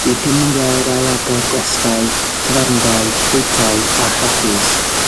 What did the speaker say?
Bydd hyn yn gweld ailagor gwestai, tafarndai, bwytai a chaffis.